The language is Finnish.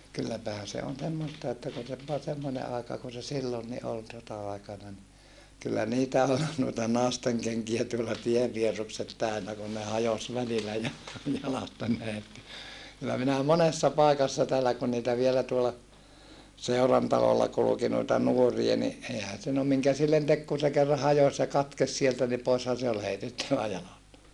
kylläpähän se on semmoista että kun se vain semmoinen aika kun se silloinkin oli sota-aikana niin kyllä niitä oli noita naistenkenkiä tuolla tienvierukset täynnä kun ne hajosi välillä - jalasta näet kyllä minä monessa paikassa täällä kun niitä vielä tuolla seurantalolla kulki noita nuoria niin eihän se no minkä sille teki kun se kerran hajosi ja katkesi sieltä niin poishan se oli heitettävä jalasta